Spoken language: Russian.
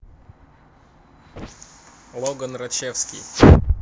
logan рочевский